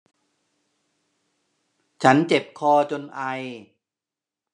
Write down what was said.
ฉันเจ็บคอจนไอ